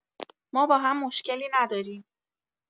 ما با هم مشکلی نداریم.